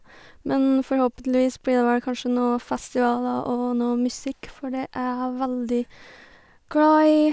Men forhåpentligvis blir det vel kanskje noe festivaler og noe musikk, for det er jeg veldig glad i.